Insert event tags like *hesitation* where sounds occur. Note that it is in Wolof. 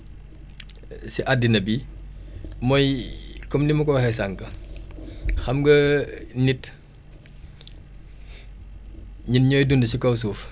*smacks lips* si addina bi mooy *hesitation* comme ni ma ko waxee sànq *noise* xam nga nit *noise* ñun ñooy dund si kaw suuf